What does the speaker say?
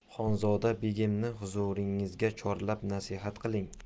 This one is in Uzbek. xonzoda begimni huzuringizga chorlab nasihat qiling